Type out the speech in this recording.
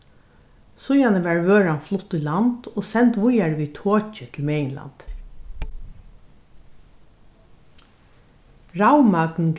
síðani varð vøran flutt í land og send víðari við toki til meginlandið ravmagn